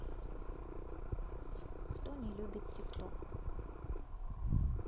кто не любит тик ток